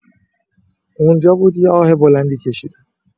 اونجا بود یه آه بلندی کشیدم